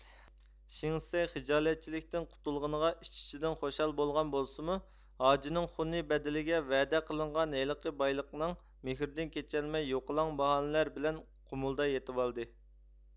شىڭ شىسەي خىجالەتچىلىكتىن قۇتۇلغىنىغا ئىچ ئىچىدىن خۇشال بولغان بولسىمۇ ھاجىنىڭ خۇنى بەدىلىگە ۋەدە قىلىنغان ھېلىقى بايلىقنىڭ مېھرىدىن كېچەلمەي يوقىلاڭ باھانىلەر بىلەن قۇمۇلدا يېتىۋالدى